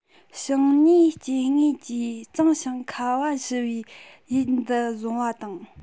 བྱང སྣེའི སྐྱེ དངོས ཀྱིས གཙང ཞིང ཁ བ ཞུ བའི ཡུལ འདི བཟུང བ དང